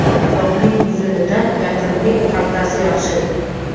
uzoqning uzunidan yaqinning kaltasi yaxshi